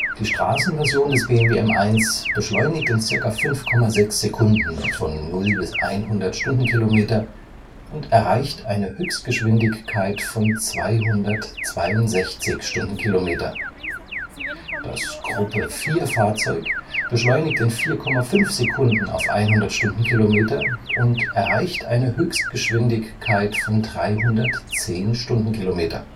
Die Straßenversion des BMW M1 beschleunigt in ca. 5,6 Sekunden von 0 bis 100 km/h und erreicht eine Höchstgeschwindigkeit von 262 km/h. Das Gruppe-4-Fahrzeug beschleunigt in 4,5 Sekunden auf 100 km/h und erreicht eine Höchstgeschwindigkeit von 310 km/h